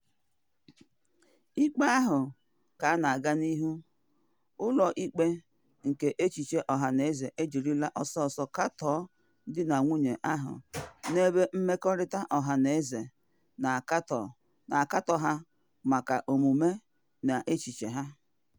Ikpe ahụ ka na aga n’ihu, ụlọ ikpe nke echiche ọhaneze ejirila ọsọ ọsọ katọọ di na nwunye ahụ n’ebe mmerịkọta ọhaneze, na akatọ ha maka omume na echiche ha.